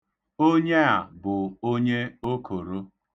Onye a bụ onye okoro.